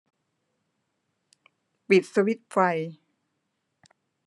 ปิดสวิตช์ไฟ